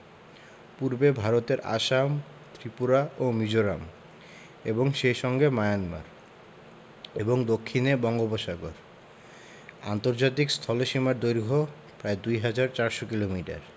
পূর্বে ভারতের আসাম ত্রিপুরা ও মিজোরাম এবং সেই সঙ্গে মায়ানমার এবং দক্ষিণে বঙ্গোপসাগর আন্তর্জাতিক স্থলসীমার দৈর্ঘ্য প্রায় ২হাজার ৪০০ কিলোমিটার